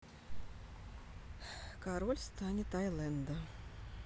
король стент айленда